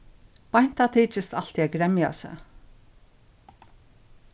beinta tykist altíð at gremja seg